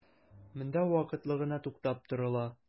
Монда вакытлы гына туктап торыла.